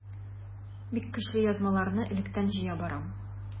Бик көчле язмаларны электән җыя барам.